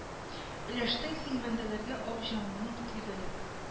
Өләштең син бәндәләргә ак җаныңны телгәләп